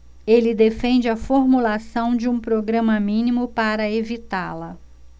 ele defende a formulação de um programa mínimo para evitá-la